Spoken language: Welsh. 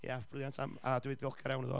Ia, brilliant am... a dwi'n diolchgar iawn iddo fo...